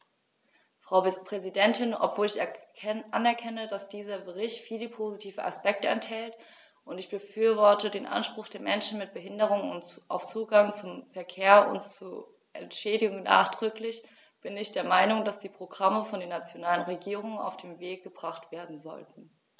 Frau Präsidentin, obwohl ich anerkenne, dass dieser Bericht viele positive Aspekte enthält - und ich befürworte den Anspruch der Menschen mit Behinderung auf Zugang zum Verkehr und zu Entschädigung nachdrücklich -, bin ich der Meinung, dass diese Programme von den nationalen Regierungen auf den Weg gebracht werden sollten.